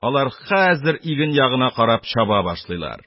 - алар хәзер иген ягына карап чаба башлыйлар.